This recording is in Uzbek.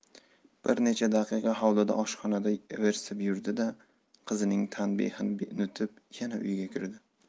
bir necha daqiqa hovlida oshxonada ivirsib yurdi da qizining tanbehini unutib yana uyga kirdi